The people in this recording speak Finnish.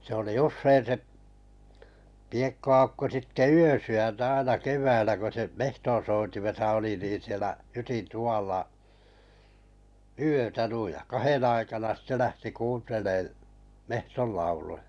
se oli usein se Piekko-Aukko sitten yösydäntä aina keväällä kun se metsonsoitimessa oli niin siellä hytin tuvalla yötä noin ja kahden aikana sitten lähti kuuntelemaan metson lauluja